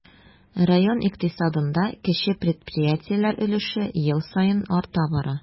Район икътисадында кече предприятиеләр өлеше ел саен арта бара.